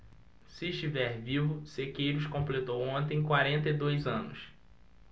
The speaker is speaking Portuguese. se estiver vivo sequeiros completou ontem quarenta e dois anos